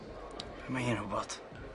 Be' mae hi'n wbod?